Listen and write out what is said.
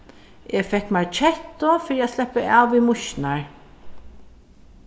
eg fekk mær kettu fyri at sleppa av við mýsnar